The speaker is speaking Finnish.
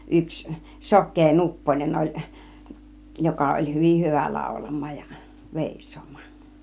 yksi sokea Nupponen oli joka oli hyvin hyvä laulamaan ja veisaamaan